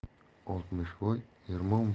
oltmishvoy ermon buva